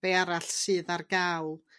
be' arall sydd ar ga'l